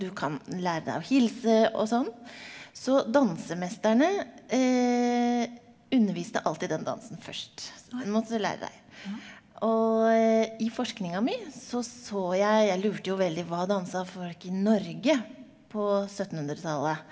du kan lære deg å hilse og sånn, så dansemesterne underviste alltid den dansen først, så den måtte du lære deg, og i forskninga mi så så jeg jeg lurte jo veldig hva dansa folk i Norge på syttenhundretallet.